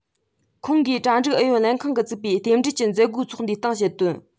ཁོང གིས གྲ སྒྲིག ཨུ ཡོན ཁང བཙུགས པའི རྟེན འབྲེལ གྱི མཛད སྒོའི ཚོགས འདུའི སྟེང བཤད དོན